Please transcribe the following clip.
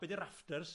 Be 'di rafters?